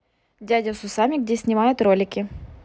дядя с усами где снимают ролики